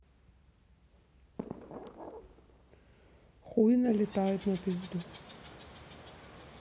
хуй налетает на пизду